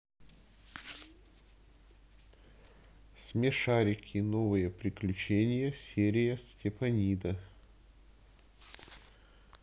смешарики новые приключения серия степанида